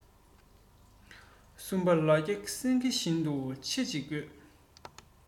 གསུམ པ ལ རྒྱ སེངྒེ བཞིན དུ ཆེ གཅིག དགོས